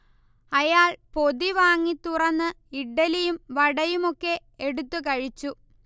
അയാൾ പൊതി വാങ്ങി തുറന്ന് ഇഡ്ഢലിയും വടയുമൊക്കെ എടുത്തുകഴിച്ചു